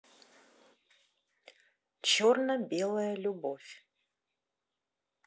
черно белая любовь